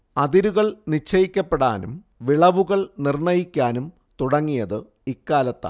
അതിരുകൾ നിശ്ചയിക്കപ്പെടാനും വിളവുകൾ നിർണ്ണയിക്കാനും തുടങ്ങിയത് ഇക്കാലത്താണ്